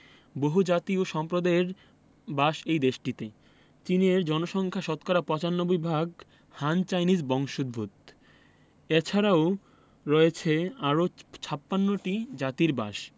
বহুজাতি ও সম্প্রদায়ের বাস এ দেশটিতে চীনের জনসংখ্যা শতকরা ৯৫ ভাগ হান চাইনিজ বংশোদূত এছারাও রয়েছে আরও ৫৬ টি জাতির বাস